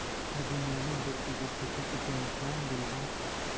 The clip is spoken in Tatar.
Ә дөянең бер күзе сукыр икәнен каян белдең?